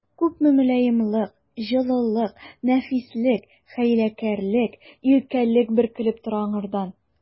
Күпме мөлаемлык, җылылык, нәфислек, хәйләкәрлек, иркәлек бөркелеп тора аңардан!